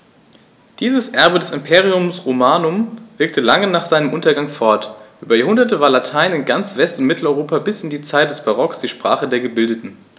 Dieses Erbe des Imperium Romanum wirkte lange nach seinem Untergang fort: Über Jahrhunderte war Latein in ganz West- und Mitteleuropa bis in die Zeit des Barock die Sprache der Gebildeten.